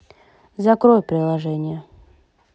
закрой приложение